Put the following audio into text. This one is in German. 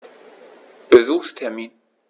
Besuchstermin